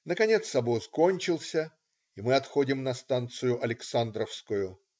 Наконец обоз кончился, и мы отходим на станицу Александровскую.